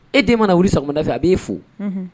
E den mana wuli sanda fɛ a b'e fo